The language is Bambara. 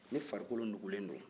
ni farikolo nugulen don